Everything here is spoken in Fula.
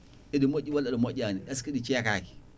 eɗi moƴƴi walla ɗe moƴƴani est ce que ɗi ceekaki